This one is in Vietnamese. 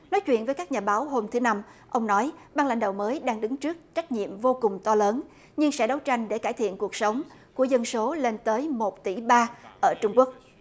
nói chuyện với các nhà báo hôm thứ năm ông nói ban lãnh đạo mới đang đứng trước trách nhiệm vô cùng to lớn nhưng sẽ đấu tranh để cải thiện cuộc sống của dân số lên tới một tỷ ba ở trung quốc